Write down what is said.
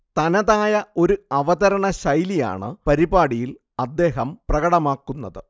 തനതായ ഒരു അവതരണ ശൈലിയാണ് പരിപാടിയിൽ അദ്ദേഹം പ്രകടമാക്കുന്നത്